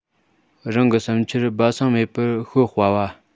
རང གི བསམ འཆར སྦ གསང མེད པར ཤོད དཔའ བ